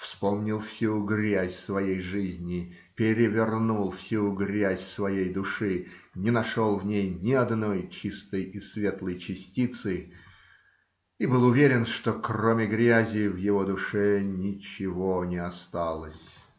вспомнил всю грязь своей жизни, перевернул всю грязь своей души, не нашел в ней ни одной чистой и светлой частицы и был уверен, что, кроме грязи, в его душе ничего не осталось.